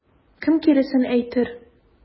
Кем киресен әйтер?